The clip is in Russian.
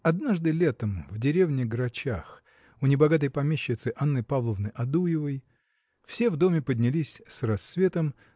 Однажды летом в деревне Грачах у небогатой помещицы Анны Павловны Адуевой все в доме поднялись с рассветом